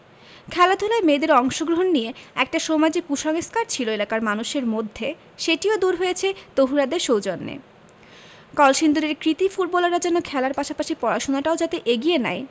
খেলাধুলায় মেয়েদের অংশগ্রহণ নিয়ে একটা সময় যে কুসংস্কার ছিল এলাকার মানুষের মধ্যে সেটিও দূর হয়েছে তহুরাদের সৌজন্যে কলসিন্দুরের কৃতী ফুটবলাররা যেন খেলার পাশাপাশি পড়াশোনাটাও যাতে এগিয়ে নেয়